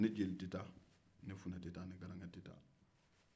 n ni jeli tɛ taa n ni funɛ tɛ taa n ni garanke tɛ taa